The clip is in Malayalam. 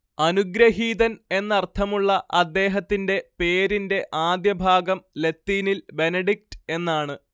അനുഗ്രഹീതൻ എന്നർത്ഥമുള്ള അദ്ദേഹത്തിന്റെ പേരിന്റെ ആദ്യഭാഗം ലത്തീനിൽ ബെനഡിക്ട് എന്നാണ്